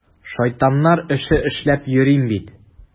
Шайтаннар эше эшләп йөрим бит!